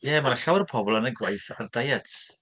Ie, mae 'na llawer o pobl yn y gwaith ar diets.